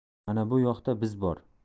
mana bu yoqda biz bor